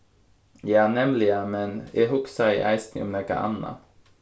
ja nemliga men eg hugsaði eisini um nakað annað